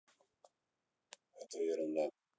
это ерунда